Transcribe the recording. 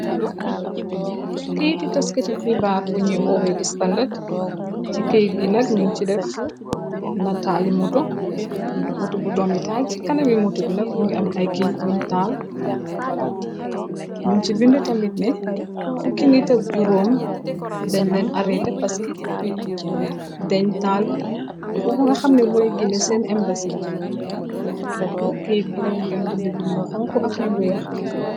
Keyit i taskiti xibaar buñuy woowee du standard ci keyit ginag ñun ci def nataali muto muto bu domitaal ci kanami muto ginag m ngi am ay kiyt yuñ taal ñu ci bind tamit ne fukki nitab juroom dañ leen arete paski dañ taal fufa na xamne mooy gine seen imbasi bi keyit gina mngi am bind binuy xonku ak yu weex.